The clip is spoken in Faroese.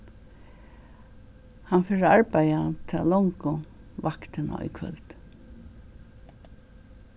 hann fer at arbeiða tað longu vaktina í kvøld